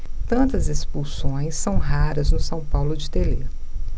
tantas expulsões são raras no são paulo de telê